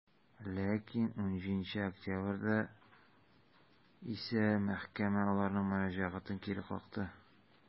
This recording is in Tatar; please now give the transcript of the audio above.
Ләкин 17 октябрьдә исә мәхкәмә аларның мөрәҗәгатен кире какты.